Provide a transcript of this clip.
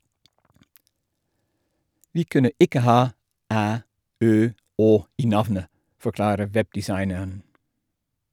- Vi kunne ikke ha æ, ø, å i navnet, forklarer webdesigneren.